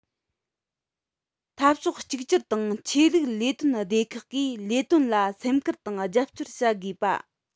འཐབ ཕྱོགས གཅིག གྱུར དང ཆོས ལུགས ལས དོན སྡེ ཁག གི ལས དོན ལ སེམས འཁུར དང རྒྱབ སྐྱོར བྱ དགོས པ